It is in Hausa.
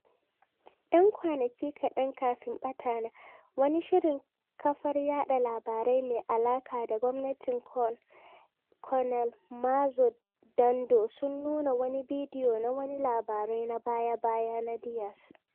Yan kwanaki kaɗan kafin ɓatana, wani shirin kafar yaɗa labarai mai alaƙa da gwamnati Con el Mazo Dando sun nuna wani bidiyo na wani labarai na baya-baya na Diaz.